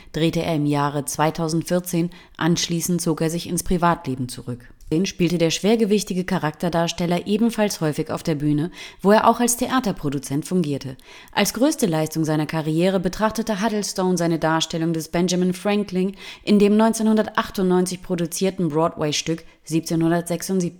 drehte er im Jahre 2014, anschließend zog er sich ins Privatleben zurück. Neben Film und Fernsehen spielte der schwergewichtige Charakterdarsteller ebenfalls häufig auf der Bühne, wo er auch als Theaterproduzent fungierte. Als größten Leistung seiner Karriere betrachtete Huddlestone seine Darstellung des Benjamin Franklin in dem 1998 produziertem Broadway-Stück 1776. David Huddlestone